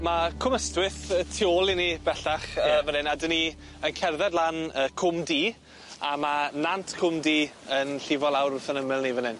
Ma' Cwm Ystwyth y tu ôl i ni bellach yy fyn 'yn a 'dyn ni yn cerdded lan yy Cwm Du a ma' Nant Cwm Du yn llifo lawr wrth 'yn ymyl ni fyn 'yn.